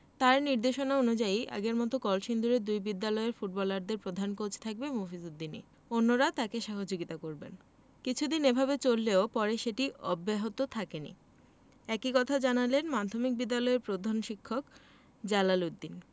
তাঁর নির্দেশনা অনুযায়ী আগের মতো কলসিন্দুরের দুই বিদ্যালয়ের ফুটবলারদের প্রধান কোচ থাকবেন মফিজ উদ্দিনই অন্যরা তাঁকে সহযোগিতা করবেন কিছুদিন এভাবে চললেও পরে সেটি অব্যাহত থাকেনি একই কথা জানালেন মাধ্যমিক বিদ্যালয়ের প্রধান শিক্ষক জালাল উদ্দিন